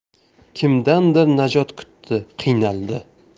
kimdandir najot kutdi qiynaldi